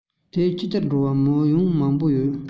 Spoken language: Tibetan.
དེར ཆུ རྐྱལ འགྲོ བའི མི ཡང མང པོ ཡོད